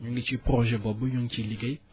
ñu ngi ci projet boobu ñu ngi ciy liggéey